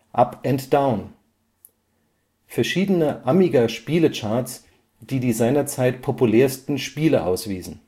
Up and Down: Verschiedene Amiga-Spiele-Charts, die die seinerzeit populärsten Spiele auswiesen